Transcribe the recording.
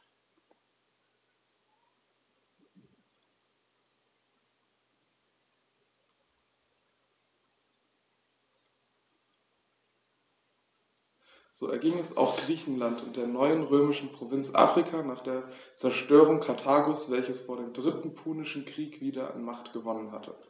So erging es auch Griechenland und der neuen römischen Provinz Afrika nach der Zerstörung Karthagos, welches vor dem Dritten Punischen Krieg wieder an Macht gewonnen hatte.